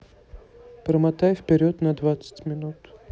промотай вперед на двадцать минут